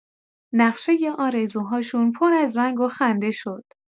نقشۀ آرزوهاشون پر از رنگ و خنده شد.